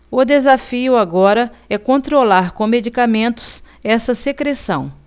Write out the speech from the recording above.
o desafio agora é controlar com medicamentos essa secreção